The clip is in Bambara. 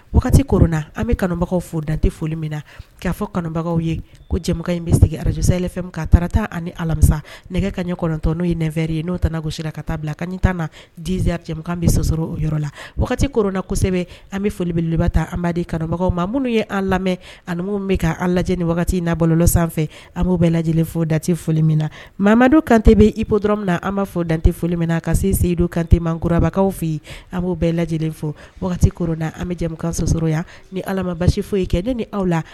Wagati knan an bɛ kanubagaw fo dantɛ foli min na k'a fɔ kanubagaw ye ko jama in bɛ segin arajsay ka taara taa ani alamisa nɛgɛ ka ɲɛ kɔnɔntɔn n'o ye nɛrɛri ye n'o tɛnagosira ka taa bila ka ta na dizkan bɛ sɔ o yɔrɔ la wagati k na kosɛbɛ an bɛ folibeleba ta anbadi kanubagaw ma minnu ye an lamɛn ani bɛ' an lajɛ ni wagati in nabɔlɔ sanfɛ an b'o bɛɛ lajɛ lajɛlen fo dante foli min na mamamadu kantɛ bɛ ipo dɔrɔn min na an b'a fɔ dantɛ foli min na ka se seyidu kantɛ man kobagaw fɛ yen an b'o bɛɛ lajɛ lajɛlen fɔ wagati na an bɛ jɛkan sɔsɔrɔ yan ni ala ma basi foyi ye kɛ ne ni aw la